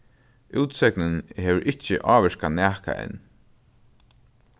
útsøgnin hevur ikki ávirkað nakað enn